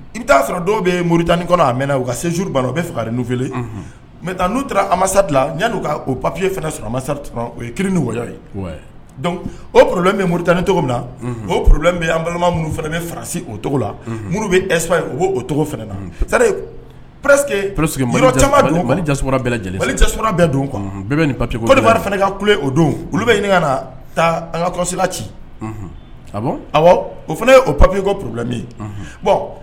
I bɛ taaa sɔrɔ dɔw bɛ muru tanani kɔnɔ a mɛn u ka seuru ban u bɛ faga n mɛ n'u an sati ɲ ka o p papiye o ye ki ni nɔgɔyayɔ ye o porolen bɛ murutan ni cogo min na o poro an balima minnu fana bɛ farasi o cogo la muru bɛ ep ye o o cogo na sari ps que p camanma don bɛɛ lajɛlen bali cɛ bɛɛ don bɛɛ bɛ nin papiye fana ka kulole o don olu bɛ ɲininka ka na taa an kasila ci o fana ye o p papiye kɔ porolɛmi ye